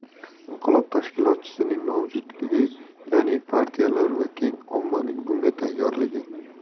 inqilob tashkilotchisining mavjudligi ya'ni partiyalar va keng ommaning bunga tayyorligi